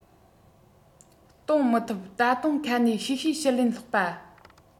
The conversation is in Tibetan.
གཏོང མི ཐུབ ད དུང ཁ ནས གཤེ གཤེ གཞུ ལན སློག པ